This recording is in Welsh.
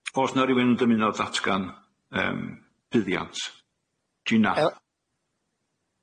O's na rywun yn dymuno datgan yym buddiant? Gina?